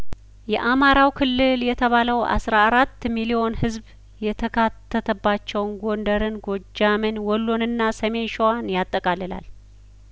የአማራው ክልል የተባለው አስራ አራት ሚሊዮን ህዝብ የተካተተባቸውን ጐንደርን ጐጃምን ወሎንና ሰሜን ሸዋን ያጠቃልላል